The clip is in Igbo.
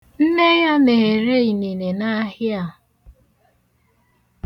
Nne ya na-ere inine n'ahia a.